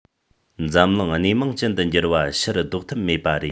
འཛམ གླིང སྣེ མང ཅན དུ འགྱུར བ ཕྱིར བཟློག ཐབས མེད པ རེད